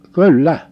kyllä